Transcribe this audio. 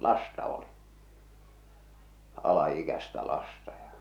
lasta oli alaikäistä lasta ja